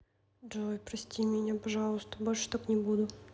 джой прости меня пожалуйста больше так не буду